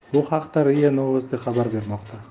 bu haqda ria novosti xabar bermoqda